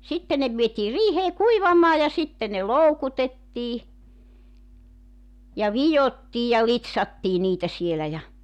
sitten ne vietiin riiheen kuivamaan ja sitten ne loukutettiin ja vidottiin ja litsattiin niitä siellä ja